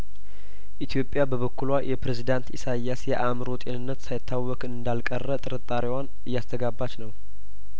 ኢትዮጵያ በበኩሏ የፕሬዚዳንት ኢሳያስ የአእምሮ ጤንነት ሳይታወክ እንዳልቀረ ጥርጣሬዋን እያስተጋባች ነው